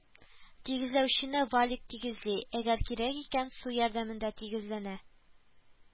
Тигезләүчене валик тигезли, әгәр кирәк икән су ярдәмендә тигезләнә